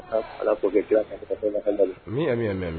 Ala k'o kɛ kira min' mɛn mɛn